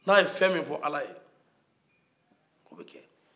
n'a ye min fɔ ala ye o bɛ kɛ